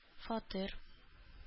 Фатир